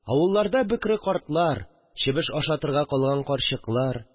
Авылларда бөкре картлар, чебеш ашатырга калган карчыклар